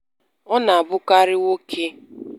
Ọ na-abụkarị nwoke.